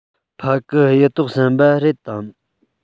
ཕ གི གཡུ ཐོག ཟམ པ རེད དམ